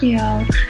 Diolch.